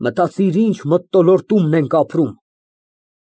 Մտածիր, ինչ մթնոլորտում ենք ապրում։